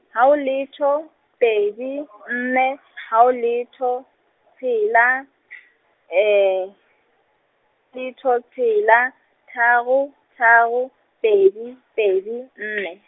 hao letho, pedi, nne, hao letho, tshela , letho tshela, tharo, tharo, pedi , pedi, nne.